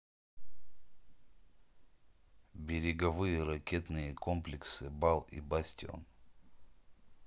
береговые ракетные комплексы бал и бастион